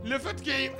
Letigi ye